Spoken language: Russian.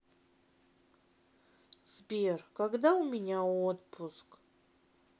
сбер когда у меня отпуск